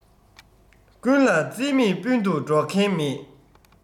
ཀུན ལ རྩིས མེད སྤུན དུ འགྲོག མཁན མེད